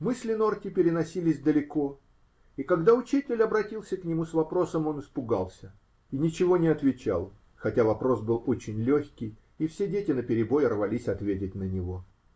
Мысли Норти переносились далеко, и когда учитель обратился к нему с вопросом, он испугался и ничего не отвечал, хотя вопрос был очень легкий и все дети наперебой рвались ответить на него.